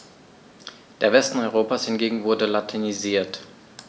Der Westen Europas hingegen wurde latinisiert.